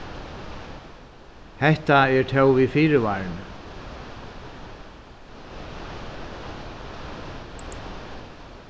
hetta er tó við fyrivarni